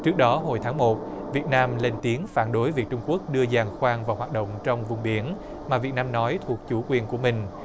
trước đó hồi tháng một việt nam lên tiếng phản đối việc trung quốc đưa giàn khoan vào hoạt động trong vùng biển mà việt nam nói thuộc chủ quyền của mình